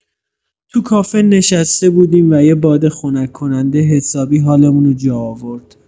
تو کافه نشسته بودیم و یه باد خنک‌کننده حسابی حالمونو جا آورد.